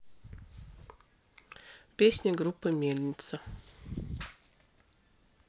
песни группы мельница